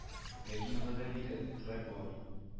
Ләкин монда да бит этләр бар